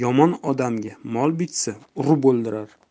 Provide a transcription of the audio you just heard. yomon odamga mol bitsa urib o'ldirar